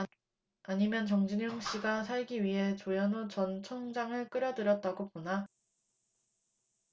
아니면 정진용씨가 살기 위해 조현오 전 청장을 끌여들였다고 보나